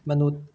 มนุษย์